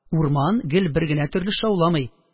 Урман гел бер генә төрле шауламый.